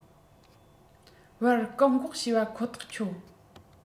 བར བཀག འགོག བྱས པ ཁོ ཐག ཆོད